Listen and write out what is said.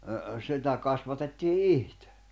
sitä kasvatettiin itse